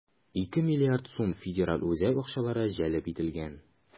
2 млрд сум федераль үзәк акчалары җәлеп ителгән.